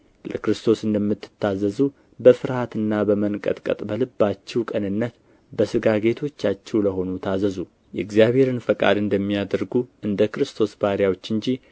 ለክርስቶስ እንደምትታዘዙ በፍርሃትና በመንቀጥቀጥ በልባችሁ ቅንነት በሥጋ ጌቶቻችሁ ለሆኑ ታዘዙ የእግዚአብሔርን ፈቃድ እንደሚያደርጉ እንደ ክርስቶስ ባሪያዎች እንጂ